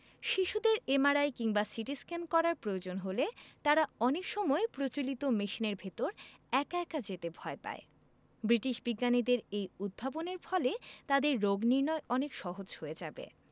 শিশুদের এমআরআই কিংবা সিটিস্ক্যান করার প্রয়োজন হলে তারা অনেক সময় প্রচলিত মেশিনের ভেতর একা একা যেতে ভয় পায় ব্রিটিশ বিজ্ঞানীদের এই উদ্ভাবনের ফলে তাদের রোগনির্নয় অনেক সহজ হয়ে যাবে